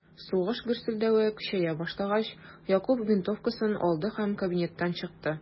Сугыш гөрселдәве көчәя башлагач, Якуб винтовкасын алды һәм кабинеттан чыкты.